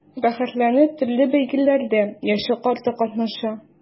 Рәхәтләнеп төрле бәйгеләрдә яше-карты катнаша.